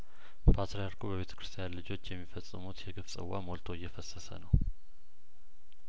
ፓትርያርኩ በቤተ ክርስቲያን ልጆች የሚፈጽሙት የግፍ ጽዋ ሞልቶ እየፈሰሰ ነው